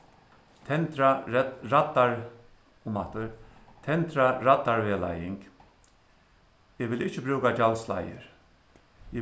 tendra raddar um aftur tendra raddarvegleiðing eg vil ikki brúka gjaldsleiðir